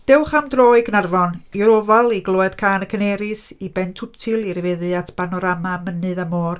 Dewch am dro i Gaernarfon, i'r Ofal i glywed cân y canerîs, i Ben Twthill i ryfeddu at banorama mynydd a môr.